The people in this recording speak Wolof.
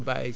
waaw